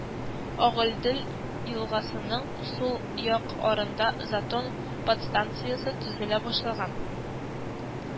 Агыйдел елгасының сул як ярында “Затон” подстанциясе төзелә башлаган